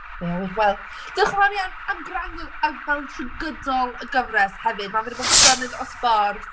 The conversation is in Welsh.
Pwy â wyr. Wel, diolch yn fawr iawn am gwrando fel trwy gydol y gyfres hefyd. Mae fe 'di bod yn gymaint o sbort.